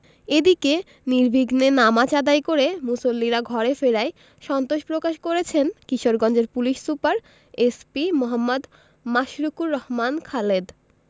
এদিকে নির্বিঘ্নে নামাজ আদায় করে মুসল্লিরা ঘরে ফেরায় সন্তোষ প্রকাশ করেছেন কিশোরগঞ্জের police super SP Md. Mashrukur Rahman Khaled